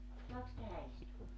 saakos tähän istua